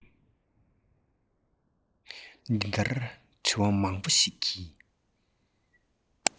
དེ ལྟར དྲི བ མང པོ ཞིག གི